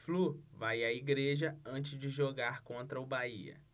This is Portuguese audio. flu vai à igreja antes de jogar contra o bahia